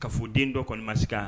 K'a fɔ den dɔ kɔni ma se ka